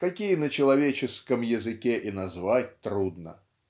какие на человеческом языке и назвать трудно"